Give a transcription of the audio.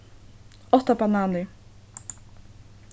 átta bananir